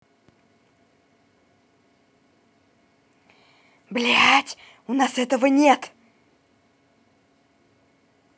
блядь у нас этого нет